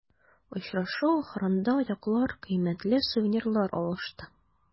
Очрашу ахырында яклар кыйммәтле сувенирлар алышты.